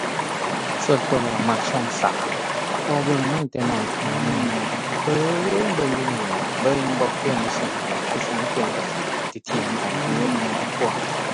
ส่วนตัวแล้วมักช่องสาม เพราะว่าเบิ่งมาตั้งแต่น้อยเท่าใหญ่ เบิ่งเบิ่งอยู่นั่นล่ะ เบิ่งบ่เปลี่ยนไปช่องใด ไผสิมาเปลี่ยนก็สิเถียงกันอยู่ใน ครอบครัว